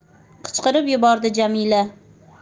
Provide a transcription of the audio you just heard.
qichqirib yubordi jamila